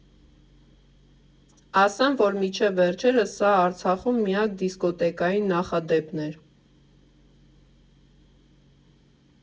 Ասեմ, որ մինչև վերջերս սա Արցախում միակ դիսկոտեկային նախադեպն էր։